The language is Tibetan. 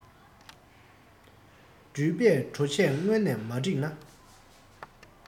འགྲུལ པས འགྲོ ཆས སྔོན ནས མ བསྒྲིགས ན